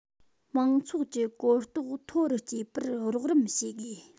མང ཚོགས ཀྱི གོ རྟོགས མཐོ རུ སྐྱེད པར རོགས རམ བྱེད དགོས